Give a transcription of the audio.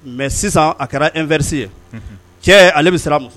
Mɛ sisan a kɛra emerisi ye cɛ ale bɛ siran a ma